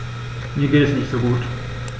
Mir geht es nicht gut.